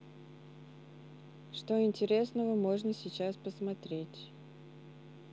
что интересного можно сейчас посмотреть